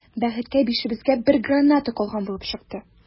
Бәхеткә, бишебезгә бер граната калган булып чыкты.